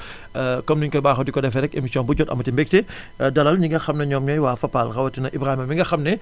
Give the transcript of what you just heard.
comme ni ñu koy baaxoo di ko defee rekk émission bu jot amati mbégte dalal ñi nga xam ne ñoom ñooy waa Fapal rawatina Ibrahima mi nga xam ne